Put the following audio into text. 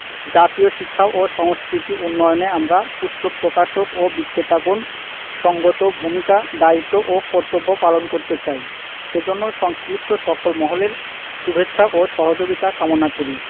জাতীয় শিক্ষা ও সংস্কৃতি উন্নয়নে আমরা পুস্তক প্রকাশক ও বিক্রেতাগণ সঙ্গত ভূমিকা দায়িত্ব ও কর্তব্য পালন করতে চাই সেজন্য সংশ্লিষ্ট সকল মহলের শুভেচ্ছা ও সহযোগিতা কামনা করি